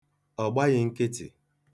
Ọ gbaghị nkịtị.